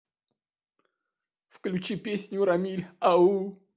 включи песню рамиль ау